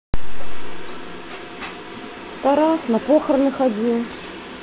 taraz на похороны ходил